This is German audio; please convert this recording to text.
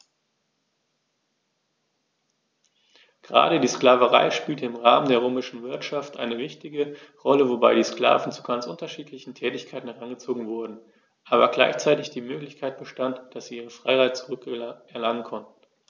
Gerade die Sklaverei spielte im Rahmen der römischen Wirtschaft eine wichtige Rolle, wobei die Sklaven zu ganz unterschiedlichen Tätigkeiten herangezogen wurden, aber gleichzeitig die Möglichkeit bestand, dass sie ihre Freiheit zurück erlangen konnten.